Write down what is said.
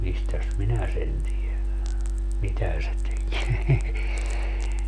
mistäs minä sen tiedän mitä se teki